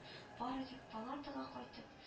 Бары тик палатага кайтып